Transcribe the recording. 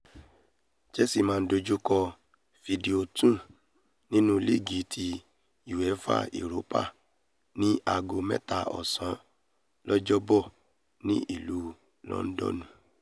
Chelsea máa dojúkọ Videoton nínú Líìgi ti UEFA Europa ní aago mẹ́ta ọ̀sán lọ́jọ́ ‘Bọ̀ ní ìlú Lọndọnu.